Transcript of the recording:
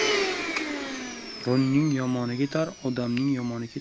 running yomoni ketar odamning yomoni ketmas